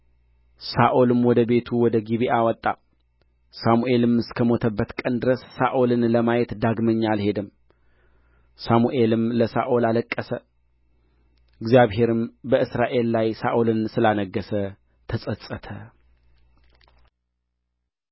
ሳኦልም ወደ ቤቱ ወደ ጊብዓ ወጣ ሳሙኤልም እስከ ሞተበት ቀን ድረስ ሳኦልን ለማየት ዳግመኛ አልሄደም ሳሙኤልም ለሳኦል አለቀሰ እግዚአብሔርም በእስራኤል ላይ ሳኦልን ስላነገሠ ተጸጸተ